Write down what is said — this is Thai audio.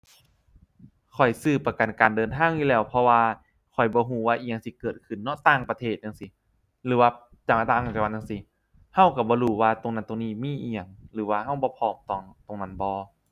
ข้อยซื้อประกันการเดินทางอยู่แล้ว เพราะว่าข้อยบ่รู้ว่าอิหยังสิเกิดขึ้นเนาะ ต่างประเทศจั่งซี้ หรือว่าจังหวัด ต่างจังหวัดจั่งซี้ รู้รู้บ่รู้ว่าตรงนั้นตรงนี้มีอิหยังหรือว่ารู้บ่พอกตอง ตรงนั้นบ่